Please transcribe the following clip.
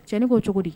Cɛnin ko cogo di?